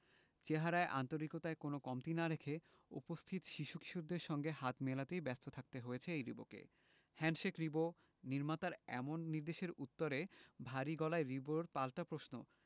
চেহারায় আন্তরিকতার কোনো কমতি না রেখে উপস্থিত শিশু কিশোরদের সঙ্গে হাত মেলাতেই ব্যস্ত থাকতে হয়েছে রিবোকে হ্যান্ডশেক রিবো নির্মাতার এমন নির্দেশের উত্তরে ভারী গলায় রিবোর পাল্টা প্রশ্ন